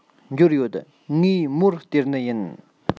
འབྱོར ཡོད ངས མོར སྟེར ནི ཡིན